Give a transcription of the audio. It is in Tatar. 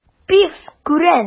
Пивз, күрен!